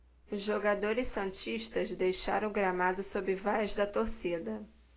os jogadores santistas deixaram o gramado sob vaias da torcida